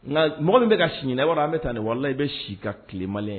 Nka mɔgɔ min bɛ ka si wara an bɛ taa ni warila i bɛ si ka tilema